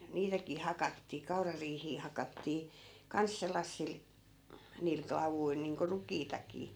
niitäkin hakattiin kaurariihiä hakattiin kanssa sellaisilla niillä klavuilla niin kuin rukiitakin